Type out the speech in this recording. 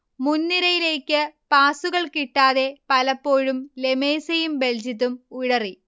മുൻനിരയിലേക്ക് പാസുകൾ കിട്ടാതെ പലപ്പോഴും ലെമേസയും ബൽജിതും ഉഴറി